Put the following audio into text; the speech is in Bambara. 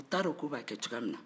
ot'a dɔn k'o b'a kɛ cogoya minna